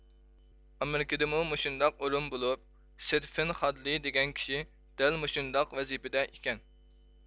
ئامېرىكىدىمۇ مۇشۇنداق ئورۇن بولۇپ ستېفېن خادلېي دېگەن كىشى دەل مۇشۇنداق ۋەزىپىدە ئىكەن